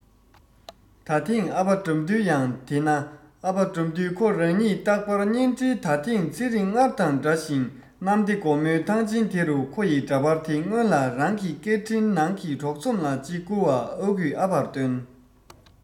ད ཐེངས ཨ ཕ དགྲ འདུལ ཡང དེ ན ཨ ཕ དགྲ འདུལ ཁོ རང ཉིད ཀྱི རྟག པར བརྙན འཕྲིན ད ཐེངས ཚེ རིང སྔར དང འདྲ ཞིང ཞིང གནམ བདེ སྒོ མོའི ཐང ཆེན དེ རུ ཁོ ཡི འདྲ པར དེ སྔོན ལ རང གི སྐད འཕྲིན ནང གི གྲོགས ཚོམ ལ གཅིག བསྐུར བ ཨ ཁུས ཨ ཕར སྟོན